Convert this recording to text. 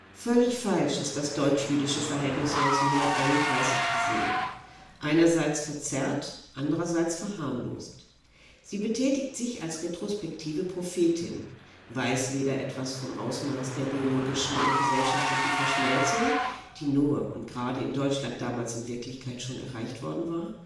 falsch ist das deutsch-jüdische Verhältnis 1931 gesehen. Einerseits verzerrt, andererseits verharmlost: sie betätigt sich als retrospektive Prophetin, weiß weder etwas vom Ausmaß der biologischen und gesellschaftlichen Verschmelzung, die nur und gerade in Deutschland damals in Wirklichkeit schon erreicht worden war